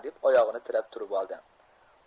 deb oyog'ini tirab turib oldi